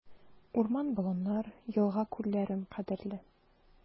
Урман-болыннар, елга-күлләрем кадерле.